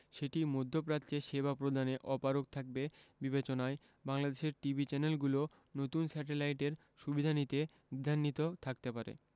সেটি মধ্যপ্রাচ্যে সেবা প্রদানে অপারগ থাকবে বিবেচনায় বাংলাদেশের টিভি চ্যানেলগুলো নতুন স্যাটেলাইটের সুবিধা নিতে দ্বিধান্বিত থাকতে পারে